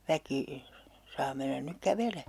väki saa mennä nyt kävelemään